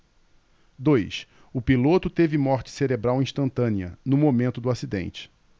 dois o piloto teve morte cerebral instantânea no momento do acidente